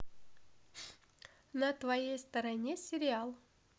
на твоей стороне сериал